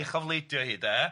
... ei chofleidio hi de.